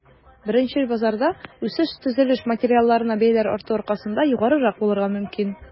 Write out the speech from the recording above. Беренчел базарда үсеш төзелеш материалларына бәяләр арту аркасында югарырак булырга мөмкин.